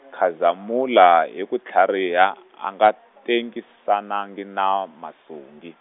Khazamula hi ku tlhariha a nga tengisanangi na Masungi.